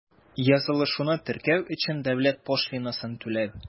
Язылышуны теркәү өчен дәүләт пошлинасын түләү.